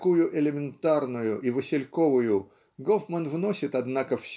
такую элементарную и васильковую Гофман вносит однако